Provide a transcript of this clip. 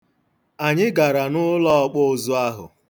Anyị gara n'ụlọ ọkpụụzụ ahụ.